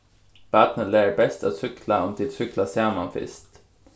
barnið lærir best at súkkla um tit súkkla saman fyrst